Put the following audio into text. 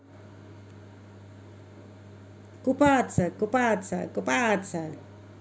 купаться купаться купаться